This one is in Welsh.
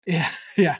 Ia ia.